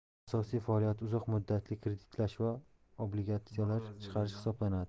asosiy faoliyati uzoq muddatli kreditlash va obligatsiyalar chiqarish hisoblanadi